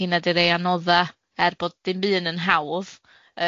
hinia di rei anodda er bod dim un yn hawdd